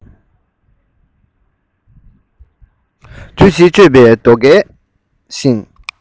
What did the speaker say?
དུས བཞི གཅོད པའི རྡོ སྐས བཞིན